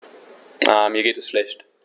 Mir geht es schlecht.